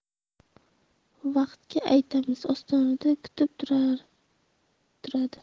vaqtga aytamiz ostonada kutib tura turadi